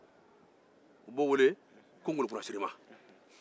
u b'o weele ko ŋolokunna sirima